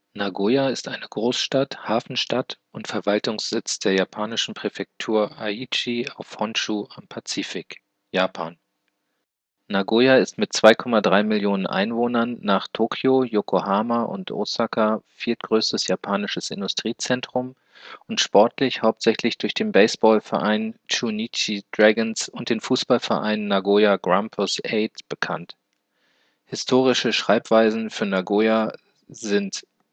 Nagoya (jap. 名古屋市, - shi) ist eine Großstadt, Hafenstadt und Verwaltungssitz der japanischen Präfektur Aichi auf Honshū am Pazifik (Japan). Nagoya ist mit 2,3 Mio Einwohnern nach Tokio, Yokohama und Ōsaka viertgrößtes japanisches Industriezentrum und sportlich hauptsächlich durch den Baseballverein Chūnichi Dragons und den Fußballverein Nagoya Grampus Eight bekannt. Historische Schreibweisen für Nagoya sind